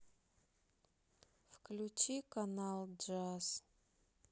включи канал джаз